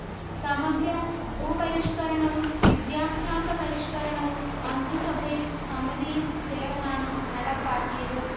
സമഗ്ര ഭൂപരിഷ്കരണവും വിദ്യാഭ്യാസപരിഷ്കരണവും മന്ത്രിസഭയും സമിതിയും ചേർന്നാണ് നടപ്പാക്കിയത്